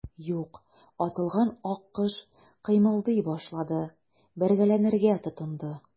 Юк, атылган аккош кыймылдый башлады, бәргәләнергә тотынды.